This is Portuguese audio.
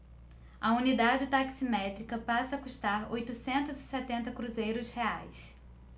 a unidade taximétrica passa a custar oitocentos e setenta cruzeiros reais